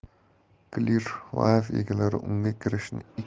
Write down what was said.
clearview egalari unga kirishni